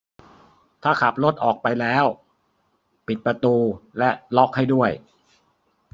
ถ้าขับรถออกไปแล้วปิดประตูและล็อกให้ด้วย